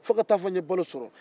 fo ka taa fɔ n ye balo sɔrɔ